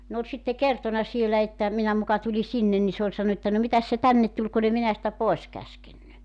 ne oli sitten kertonut siellä että minä muka tulin sinne niin se oli sanonut että no mitäs se tänne tuli kun en minä sitä pois käskenyt